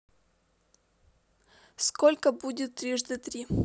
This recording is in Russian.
сколько будет трижды три